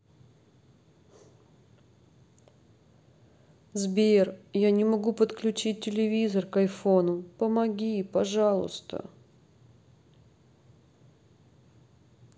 сбер я не могу подключить телевизор к айфону помоги пожалуйста